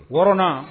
Wɔɔrɔnuna